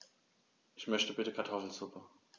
Ich möchte bitte Kartoffelsuppe.